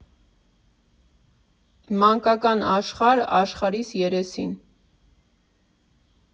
Մանկական աշխարհ աշխարհիս երեսին։